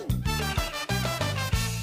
San